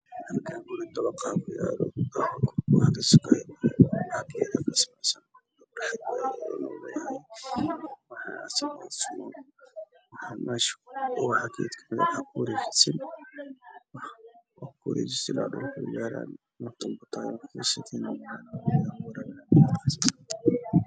Waa guri hostiisa waxaa waxaa ku yaalo labo ubax